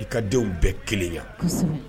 I ka denw bɛɛ kelen yan